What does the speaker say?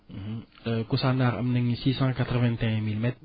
Kousanaar am nañu six cent quatre vingt et un milimètres